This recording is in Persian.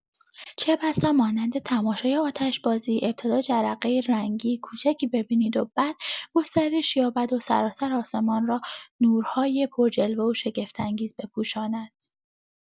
چه‌بسا مانند تماشای آتش‌بازی، ابتدا جرقه رنگی کوچکی ببینید و بعد گسترش یابد و سراسر آسمان را نورهای پرجلوه و شگفت‌انگیز بپوشاند.